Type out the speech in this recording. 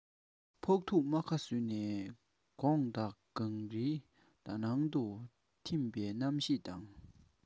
ཕོག ཐུག རྨ ཁ བཟོས ན དགོངས དག གངས རིའི དག སྣང དུ ཐིམ པའི རྣམ ཤེས ལ